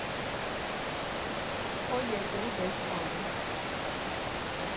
Քո երկրի դեսպանը։